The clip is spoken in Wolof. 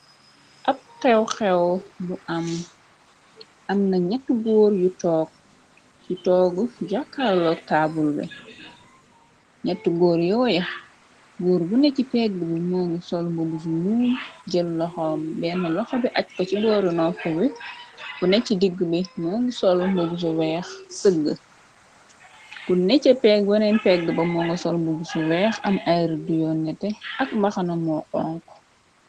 Ab xew xew bu am am na gñattu góor yu togg yàkaaloog taabul be nattu góor yooya góur bu neci pegg bi mongi solmbug yi mu jël loxoom benn loxa bi aj ko ci booru ndoppu wi bu ne ci digg bi mongu solmbub su weex sëgg gu ne ca pegg wenen pegg ba mo ngi solmbub su weex am ayr duyoon nete ak mbaxana mu konko.